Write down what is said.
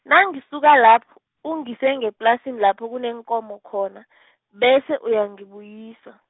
nangisuka lapho, ungise ngeplasini lapha kuneenkomo khona , bese uyangibuyisa.